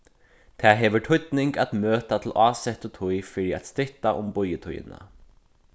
tað hevur týdning at møta til ásettu tíð fyri at stytta um bíðitíðina